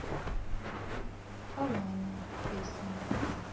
havana песня